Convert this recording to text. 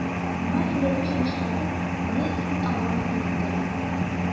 Миңа кирәгенчә нечкәртеп, маятникның оборотын арттырдым.